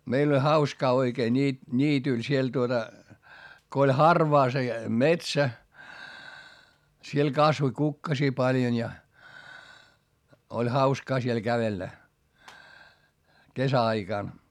meillä oli hauskaa oikein - niityllä siellä tuota kun oli harvaa se metsä siellä kasvoi kukkasia paljon ja oli hauskaa siellä kävellä kesäaikana